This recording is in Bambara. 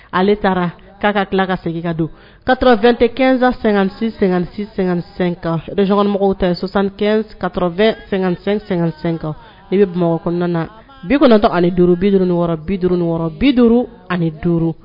Ale taara k'a ka tila ka segin ka don kato2teɛnsan sɛgɛnsenka reckɔnɔmɔgɔw tɛ sɔsan ka2-sɛsen kan i bɛ bamakɔ kɔnɔna na bi kɔnɔtɔ ani duuru bid wɔɔrɔ bid wɔɔrɔ bi duuru ani duuru